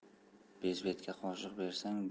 bezbetga qoshiq bersang